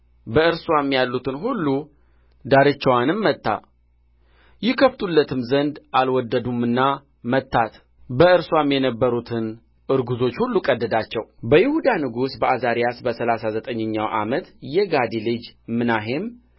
በእርስዋም ያሉትን ሁሉ ዳርቻዋንም መታ ይከፍቱለትም ዘንድ አልወደዱምና መታት በእርስዋም የነበሩትን እርጉዞች ሁሉ ቀደዳቸው በይሁዳ ንጉሥ በዓዛርያስ በሠላሳ ዘጠኝኛው ዓመት የጋዲ ልጅ ምናሔም